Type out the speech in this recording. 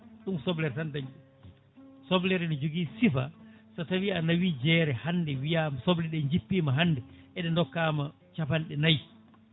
ɗum soblere tan dañi ɗum soblere ne jogui siifa so tawi a nawi jeere hande wiiyama sobleɗe jippima hande eɗe dokkama capanɗe nayyi